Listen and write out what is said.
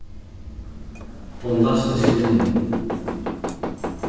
hon læsti seg inni